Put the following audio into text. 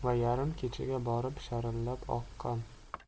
va yarim kechaga borib sharillab oqqan